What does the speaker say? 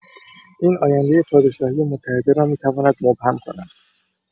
این آینده پادشاهی متحده را می‌تواند مبهم کند.